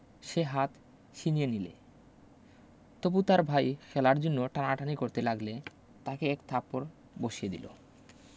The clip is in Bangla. সে হাত ছিনিয়ে নিলে তবু তার ভাই খেলার জন্যে টানাটানি করতে লাগলে তাকে এক থাপ্পড় বসিয়ে দিলো